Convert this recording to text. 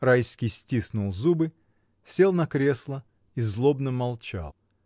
Райский стиснул зубы, сел на кресло и злобно молчал.